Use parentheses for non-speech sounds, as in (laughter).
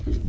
(noise) (hesitation)